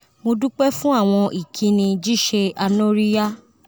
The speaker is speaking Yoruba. Mo dupẹ fun awọn ikini jiṣe anoriya!”